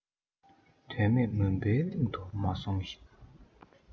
དོན མེད མུན པའི གླིང དུ མ སོང ཞིག